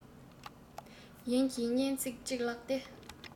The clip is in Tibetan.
ཡན གྱི སྙན ཚིག ཅིག ལགས ཏེ